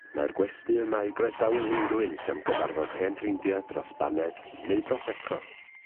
Mae'r gwesty yma i groesawu unryw un sy am gyfarfod hen ffrindia dros baned neu brosecco.